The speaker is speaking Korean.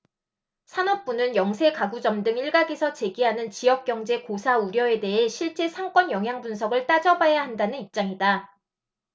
산업부는 영세 가구점 등 일각에서 제기하는 지역경제 고사 우려에 대해 실제 상권 영향분석을 따져봐야 한다는 입장이다